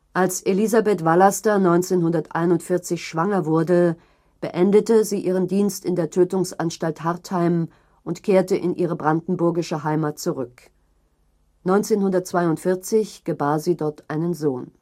Als Elisabeth Vallaster 1941 schwanger wurde, beendete sie ihren Dienst in der Tötungsanstalt Hartheim und kehrte in ihre brandenburgische Heimat zurück. 1942 gebar sie dort einen Sohn